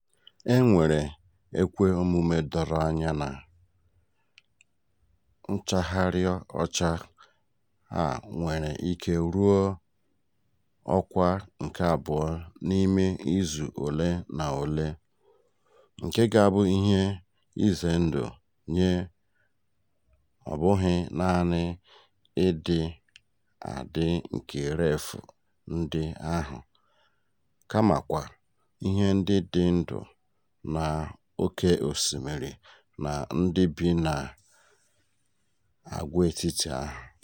E nwere ekwe omume doro anya na nchaghari ọcha a nwere ike ruo ọkwa nke abụọ n'ime izu ole na ole, nke ga-abụ ihe ize ndụ nye ọbụghị naanị ịdị adị nke Reef ndị ahụ, kamakwa ihe ndị dị ndụ n'oké osimiri na ndị bi n'àgwàetiti ahụ.